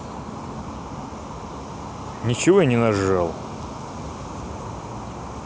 ничего я не нажал